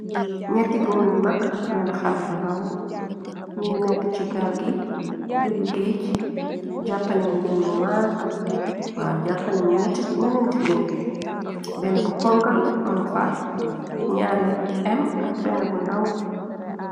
Nyetti góor yu mag ak benna xale bu ndaw ñu ngi nekk ci gaal gi jóge géej jàppa na njen bu maag wa jàppne ñeneen tijjen benn bu ponkalmu fax ak ñaar yi m ak benna bu ndaw.